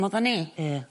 ...oddon ni. Ie.